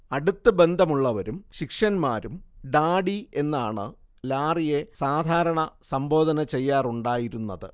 അടുത്തു ബന്ധമുള്ളവരും ശിഷ്യന്മാരും ഡാഡി എന്നാണ് ലാറിയെ സാധാരണ സംബോധന ചെയ്യാറുണ്ടായിരുന്നത്